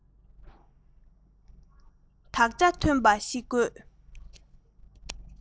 དག ཆ ཐོན པ ཞིག དགོས